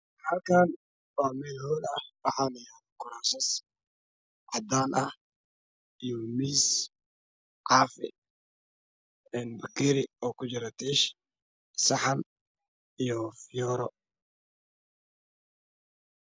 Halkaan waxaa meel hool ah waxaa yaalo kuraasman cadaan ah iyo miisas caafi saaran yahay, bakeeri tiish kujiro, saxan iyo fiyoore.